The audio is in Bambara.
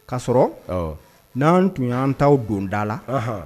K ka sɔrɔ n'an tun y'an t' donda la